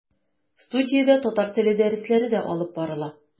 Студиядә татар теле дәресләре дә алып барыла.